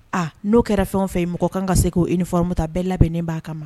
A n'o kɛra fɛn o fɛ yen mɔgɔ kan ka se k' e ni fmuta bɛɛ labɛnnen b'a kan ma